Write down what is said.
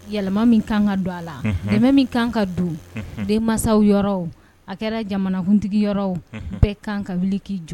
Yɛlɛma min ka kan ka don a la, unhun, dɛmɛn min kan ka don, unhun, denmasw yɔrɔ a kɛra jamanakuntigi yɔrɔ, unhun, bɛɛ kan ka wuli k'i jɔ.